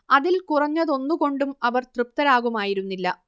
അതിൽ കുറഞ്ഞതോന്നുകൊണ്ടും അവർ തൃപ്തരാകുമായിരുന്നില്ല